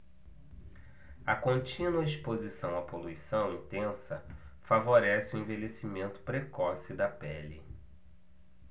a contínua exposição à poluição intensa favorece o envelhecimento precoce da pele